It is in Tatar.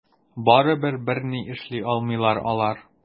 Барыбер берни эшли алмыйлар алар.